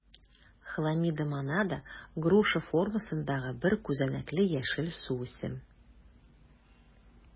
Хламидомонада - груша формасындагы бер күзәнәкле яшел суүсем.